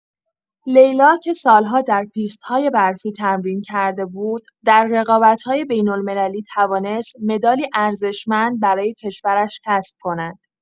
لیلا که سال‌ها در پیست‌های برفی تمرین کرده بود، در رقابت‌های بین‌المللی توانست مدالی ارزشمند برای کشورش کسب کند.